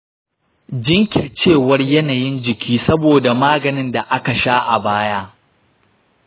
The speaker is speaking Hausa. jirkicewar yanayin jiki saboda magani da aka sha a baya.